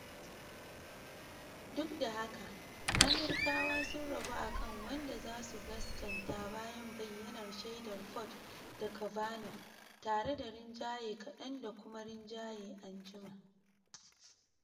Duk da haka, Amirkawa sun rabu akan wanda zasu gaskanta bayan bayyanar shaidar Ford da Kavanaugh, tare da rinjaye kadan da kuma rinjaye anjima.